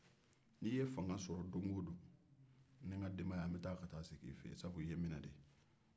n'i ye fanga sɔrɔ don o don n ni ka denbaya bɛ taa n sigi i fɛ yen sabu i n minɛ